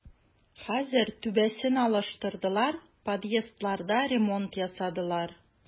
Хәзер түбәсен алыштырдылар, подъездларда ремонт ясадылар.